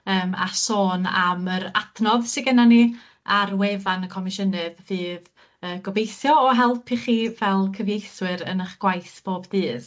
yym a sôn am yr adnodd sy gennon ni ar wefan y Comisiynydd fydd yy gobeithio o help i chi fel cyfieithwyr yn 'ych gwaith bob dydd.